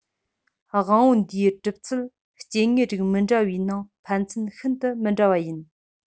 དབང པོ འདིའི གྲུབ ཚུལ སྐྱེ དངོས རིགས མི འདྲ བའི ནང ཕན ཚུན ཤིན ཏུ མི འདྲ བ ཡིན